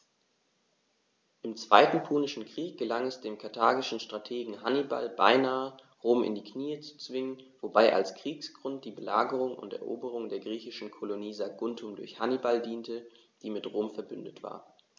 Im Zweiten Punischen Krieg gelang es dem karthagischen Strategen Hannibal beinahe, Rom in die Knie zu zwingen, wobei als Kriegsgrund die Belagerung und Eroberung der griechischen Kolonie Saguntum durch Hannibal diente, die mit Rom „verbündet“ war.